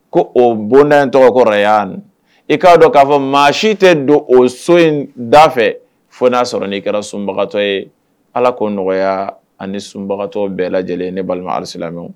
Ko o bonda in tɔgɔ kɔrɔ' i k'a dɔn k'a fɔ maa si tɛ don o so in da fɛ fo n y'a sɔrɔ n'i kɛra sunbagatɔ ye ala k'o nɔgɔya ani sunbagatɔ bɛɛ lajɛlen ye ne balima alisi lamɛn